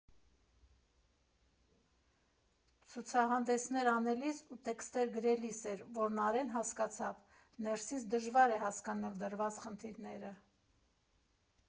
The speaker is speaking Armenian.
Ցուցահանդեսներ անելիս ու տեքստեր գրելիս էր , որ Նարէն հասկացավ՝ ներսից դժվար է հասկանալ դրված խնդիրները։